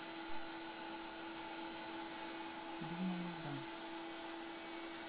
думаю да